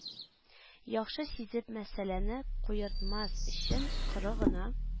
Яхшы сизеп, мәсьәләне куертмас өчен, коры гына: